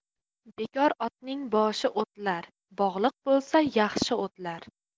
bekor otning boshi o'tlar bog'liq bo'lsa yaxshi o'tlar